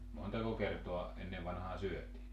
montako kertaa ennen vanhaan syötiin